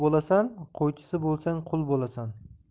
bo'lasan qo'ychisi bo'lsang qui bo'lasan